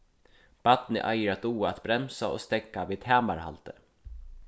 barnið eigur at duga at bremsa og steðga við tamarhaldi